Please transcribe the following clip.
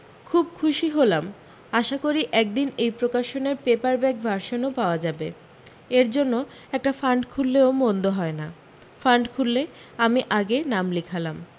খুব খুশি হলাম আশাকরি একদিন এই প্রকাশন এর প্যাপারব্যাক ভার্সন ও পাওয়া যাবে এর জন্য একটা ফান্ড খুললেও মন্দ হয় না ফান্ড খুললে আমি আগে নাম লিখালাম